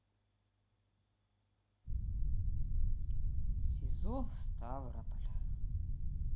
сизо ставрополь